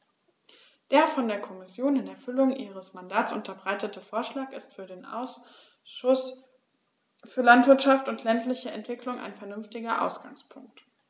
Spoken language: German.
Der von der Kommission in Erfüllung ihres Mandats unterbreitete Vorschlag ist für den Ausschuss für Landwirtschaft und ländliche Entwicklung ein vernünftiger Ausgangspunkt.